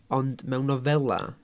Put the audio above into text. Ond mewn nofelau...